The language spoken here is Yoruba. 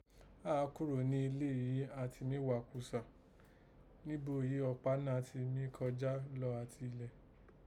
Àá kúrò ní ilè yìí àán ti mí ghá kùsà, nibo yìí ọ̀kpá náà ti mí kọjá lọ àti ilẹ̀